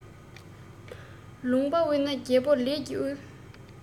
ལུང པ དབུལ ན རྒྱལ པོ ལས ཀྱིས དབུལ